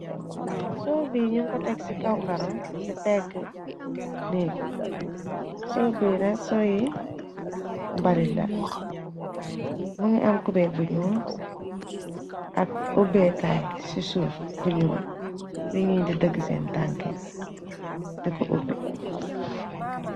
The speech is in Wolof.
sool bi ñu ko teg ci kawkaro ci pégg néeg soo bina soo yi mbali la mu gi am cubeek bu ñuul ak ubkaay ci su bu nuul fi neech di dëgg seen tanke diko ub.